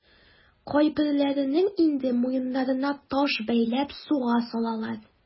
Кайберләренең инде муеннарына таш бәйләп суга салалар.